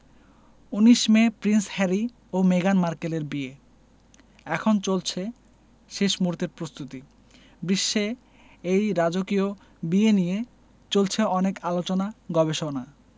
১৯ May prince Harry ও মেগান মার্কেলের বিয়ে এখন চলছে শেষ মুহূর্তের প্রস্তুতি বিশ্বে এই রাজকীয় বিয়ে নিয়ে চলছে অনেক আলোচনা গবেষণা